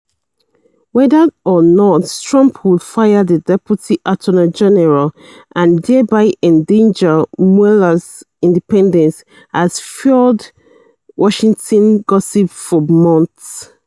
Whether or not Trump will fire the deputy attorney general, and thereby endanger Mueller's independence, has fueled Washington gossip for months.